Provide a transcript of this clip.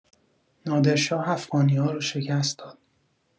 نادر شاه افغانی‌ها رو شکست داد